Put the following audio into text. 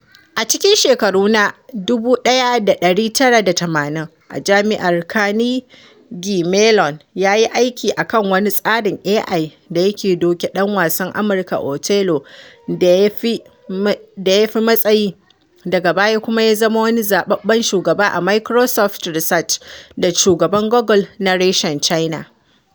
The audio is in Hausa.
A cikin shekaru na 1980 a Jami’ar Carnegie Mellon ya yi aiki a kan wani tsarin AI da ya doke ɗan wasan Amurka Othello da ya fi matsayi, daga baya kuma ya zama wani zababben shugaba a Microsoft Research da shugaban Google na reshen China.